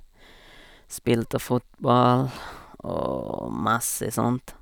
Spilte fotball og masse sånt.